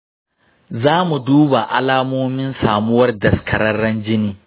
za mu duba alamomin samuwar daskararren jini.